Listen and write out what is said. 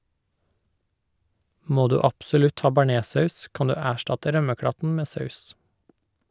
Må du absolutt ha bearnéssaus, kan du erstatte rømmeklatten med saus.